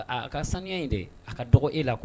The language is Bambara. Aaa a ka sanuya in de a ka dɔgɔ e la kuwa